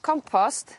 compost